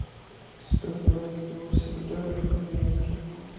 сто двадцать восемь ударов в минуту